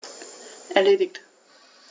Erledigt.